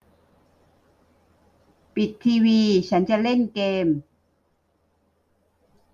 ปิดทีวีฉันจะเล่นเกม